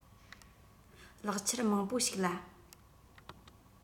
ལེགས ཆར མང པོ ཞིག ལ